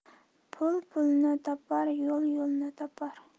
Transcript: pul pulni topar yo'l yo'lni topar